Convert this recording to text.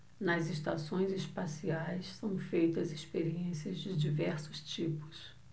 nas estações espaciais são feitas experiências de diversos tipos